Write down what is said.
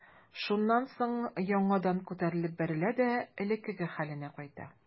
Шуннан соң яңадан күтәрелеп бәрелә дә элеккеге хәленә кайта.